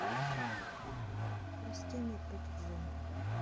растения против против зомби